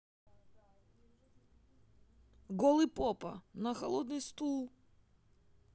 голый попа на холодный стол